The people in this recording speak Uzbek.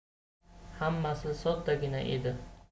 hammasi soddagina edi